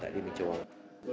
tại liên minh châu âu